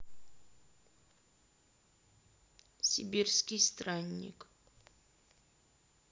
сибирский странник